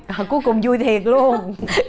ờ cuối cùng vui thiệt luôn